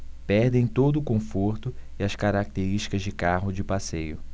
perdem todo o conforto e as características de carro de passeio